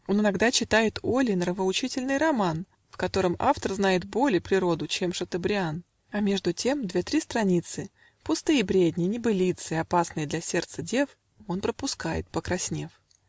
Он иногда читает Оле Нравоучительный роман, В котором автор знает боле Природу, чем Шатобриан, А между тем две, три страницы (Пустые бредни, небылицы, Опасные для сердца дев) Он пропускает, покраснев.